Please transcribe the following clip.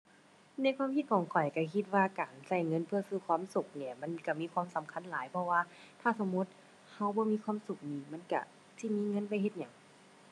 ในความคิดของข้อยก็คิดว่าการก็เงินเพื่อซื้อความสุขเนี่ย มันก็มีความสำคัญหลาย เพราะว่าถ้าสมมุติก็บ่มีความสุขนี่ มันก็สิมีเงินไปเฮ็ดหยัง